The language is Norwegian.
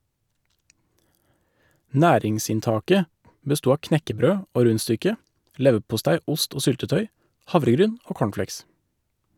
Næringsinntaket besto av knekkebrød og rundstykke, leverpostei, ost og syltetøy, havregryn og cornflakes.